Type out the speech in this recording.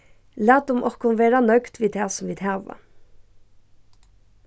latum okkum vera nøgd við tað sum vit hava